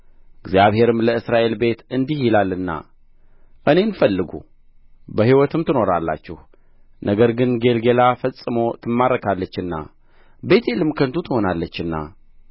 እግዚአብሔርም ለእስራኤል ቤት እንዲህ ይላልና እኔን ፈልጉ በሕይወትም ትኖራላችሁ ነገር ግን ጌልገላ ፈጽሞ ትማረካለችና ቤቴልም ከንቱ ትሆናለችና